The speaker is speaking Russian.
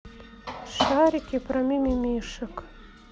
шарики про мимимишек